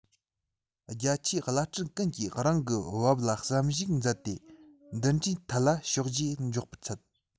རྒྱ ཆེའི བླ སྤྲུལ ཀུན གྱིས རང གི བབ ལ བསམ གཞིགས མཛད དེ འདི འདྲའི ཐད ལ ཕྱག རྗེས འཇོག པར འཚལ